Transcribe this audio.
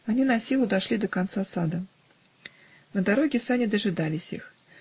Они насилу дошли до конца сада. На дороге сани дожидались их.